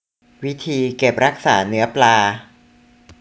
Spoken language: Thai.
วิธีเก็บรักษาเนื้อปลา